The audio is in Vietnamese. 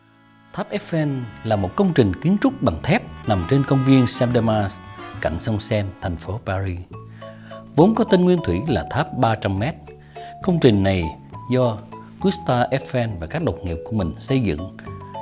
tháp ép phen là một công trình kiến trúc bằng thép nằm trên công viên sam de ma sờ cạnh sông sen thành phố pa ri vốn có tên nguyên thủy là tháp ba trăm mét công trình này do gút sờ ta ép phen và các đồng nghiệp của mình xây dựng